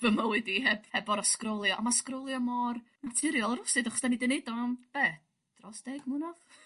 fy mywyd i heb heb 'or'o' sgrolio a ma' sgrolio mor naturiol rywsut achos 'dan ni 'di neud o am be'? Dros deg mlynadd so...